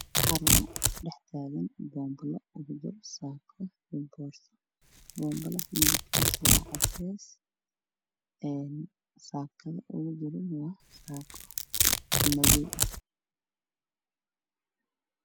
Meeshan waa carwo waxaa dhex yaalla pompalo ugu jiro saako laa midabkiisu waa madow saakaduna waa caddeys